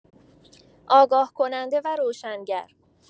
آگاه‌کننده و روشنگر